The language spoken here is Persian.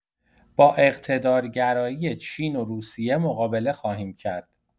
با اقتدارگرایی چین و روسیه مقابله خواهیم کرد.